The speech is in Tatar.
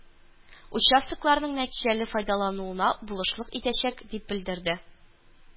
Участокларның нәтиҗәле файдалануына булышлык итәчәк, дип белдерде